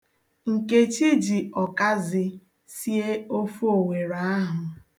Nkechi ji ọkazị sie ofe Owere ahụ.